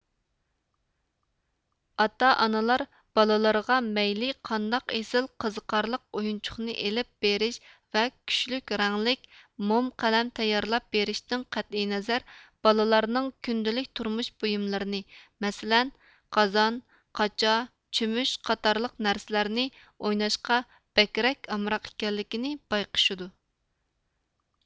ئاتا ئانىلار بالىلىرىغا مەيلى قانداق ئېسىل قىزىقارلىق ئويۇنچۇقنى ئېلىپ بېرىش ۋە كۈچلۈك رەڭلىك موم قەلەم تەييارلاپ بېرىشتىن قەتئىينەزەر بالىلارنىڭ كۈندىلىك تۇرمۇش بۇيۇملىرىنى مەسىلەن قازان قاچا چۆمۈچ قاتارلىق نەرسىلەرنى ئويناشقا بەكرەك ئامراق ئىكەنلىكىنى بايقىشىدۇ